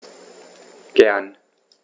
Gern.